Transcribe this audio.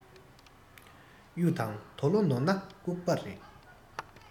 གཡུ དང དོ ལོ ནོར ན ལྐུགས པ རེད